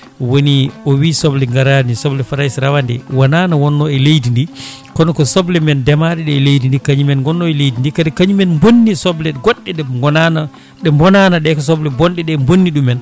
woni o wii soble garani soble France se rawade wona ne wonno e leydi ndi kono ko sable men ndeemaɗe ɗe e leydi ndi kañumen gonno e leydi ndi kadi kañum bonni soble goɗɗe ɗe gonano ɗe bonano ɗe ko soble bonɗeɗe bonni ɗumen